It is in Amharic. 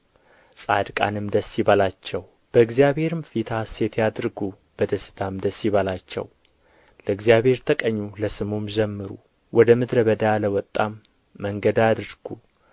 ጻድቃንም ደስ ይበላቸው በእግዚአብሔርም ፊት ሐሤት ያድርጉ በደስታም ደስ ይበላቸው ለእግዚአብሔር ተቀኙ ለስሙም ዘምሩ ወደ ምድረ በዳ ለወጣም መንገድ አድርጉ